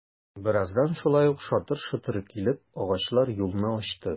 Бераздан шулай ук шатыр-шотыр килеп, агачлар юлны ачты...